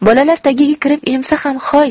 bolalar tagiga kirib emsa ham hoy